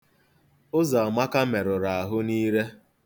Ụzọamaka merụrụ ahụ n'ire.